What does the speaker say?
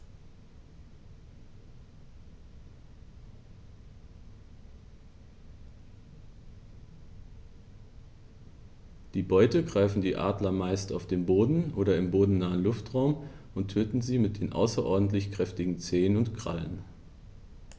Die Beute greifen die Adler meist auf dem Boden oder im bodennahen Luftraum und töten sie mit den außerordentlich kräftigen Zehen und Krallen.